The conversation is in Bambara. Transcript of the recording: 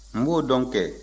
n b'o dɔn kɛ